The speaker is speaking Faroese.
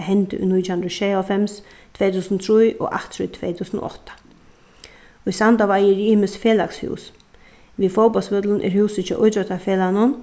tað hendi í nítjan hundrað og sjeyoghálvfems tvey túsund og trý og aftur í tvey túsund og átta í sandavági eru ymisk felagshús við fótbóltsvøllin er húsið hjá ítróttafelagnum